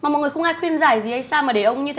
mà mọi người không ai khuyên giải gì hay sao mà để ông như